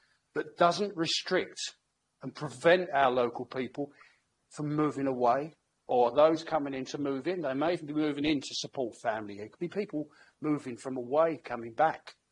But doesn't restrict and prevent our local people from moving away, or those coming in to move in, they may be moving in to support family, it could be people moving from away coming back.